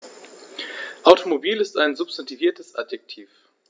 Automobil ist ein substantiviertes Adjektiv.